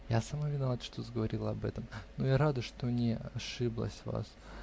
-- Я сама виновата, что заговорила об этом; но я рада, что не ошиблась в вас.